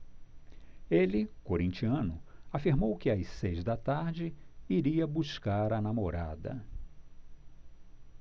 ele corintiano afirmou que às seis da tarde iria buscar a namorada